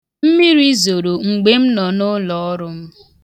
Mmiri zoro mgbe m nọ n'ụlọọrụ m.